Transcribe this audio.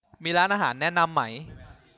มีร้านอาหารแนะนำไหม